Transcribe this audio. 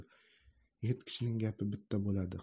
yigit kishining gapi bitta bo'ladi